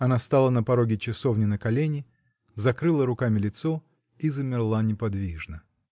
Она стала на пороге часовни на колени, закрыла руками лицо и замерла неподвижно.